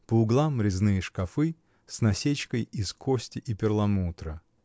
по углам резные шкапы с насечкой из кости и перламутра.